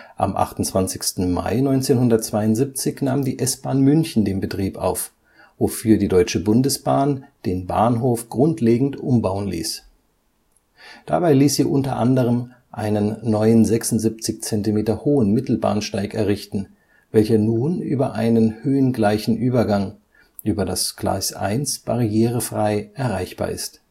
Am 28. Mai 1972 nahm die S-Bahn München den Betrieb auf, wofür die Deutsche Bundesbahn den Bahnhof grundlegend umbauen ließ. Dabei ließ sie unter anderem einen neuen 76 Zentimeter hohen Mittelbahnsteig errichten, welcher nun über einen höhengleichen Übergang, über das Gleis 1 barrierefrei erreichbar ist